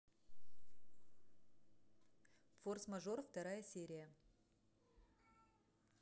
форс мажор вторая серия